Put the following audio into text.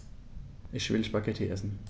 Ich will Spaghetti essen.